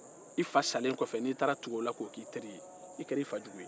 n'i taara tugu o la i fa salen kɔ k'o k'i teri ye i kɛra i fa juru